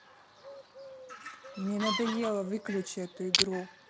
мне надоело выключи эту игру